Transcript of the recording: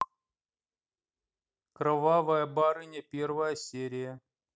кровавая барыня первая серия